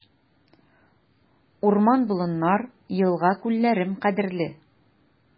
Урман-болыннар, елга-күлләрем кадерле.